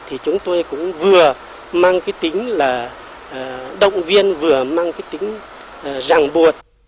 thì chúng tôi cũng vừa mang cái tính là động viên vừa mang tính ràng buộc